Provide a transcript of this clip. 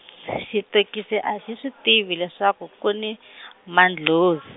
xitokisi a xi swi tivi leswaku ku ni , mandlhoz-.